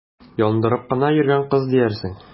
Ялындырып кына йөргән кыз диярсең!